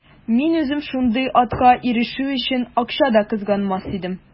Мин үзем шундый атка ирешү өчен акча да кызганмас идем.